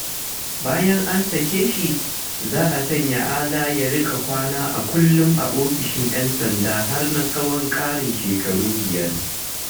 Bayan an sake shi, za a sanya Alaa ya riƙa kwana a kullum a ofishin 'yan sanda har na tsawon ƙarin shekaru biyar.